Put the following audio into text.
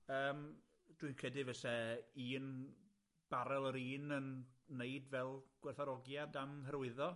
Yym, dwi'n credu fyse un barel yr un yn wneud fel gwerthfawrogiad am hyrwyddo.